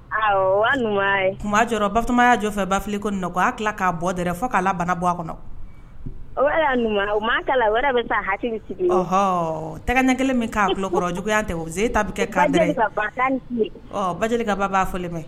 Batoma y'a jɔ fɛ bafi kokɔya tila k'a bɔɛrɛ fo k'a bana bɔ a kɔnɔɔ tɛgɛ ne kelen min'akɔrɔ juguyaya tɛ ze ta bɛ kɛ ka ba ka baba b'a fɔ mɛ